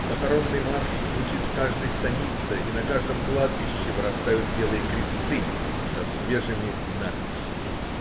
Похоронный марш звучит в каждой станице, и на каждом кладбище вырастают белые кресты со свежими надписями.